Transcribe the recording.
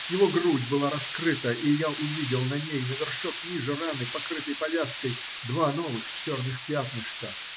Его грудь была раскрыта, и я увидел на ней, на вершок ниже раны, покрытой повязкой, два новых черных пятнышка.